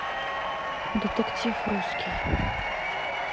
детектив русский